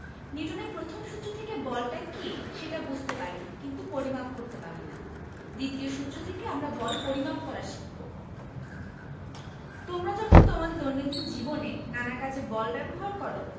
নিউটনের প্রথম সূত্র থেকে বলটা কী সেটা বুঝতে পারি কিন্তু পরিমাপ করতে পারি না দ্বিতীয় সূত্র থেকে আমরা বল পরিমাপ করা শিখব তোমরা যখন তোমাদের দৈনন্দিন জীবনে নানা কাজে বল ব্যবহার করো